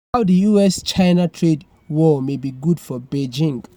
How the US-China trade war may be good for Beijing